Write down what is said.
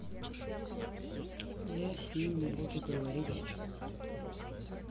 я с ними буду говорить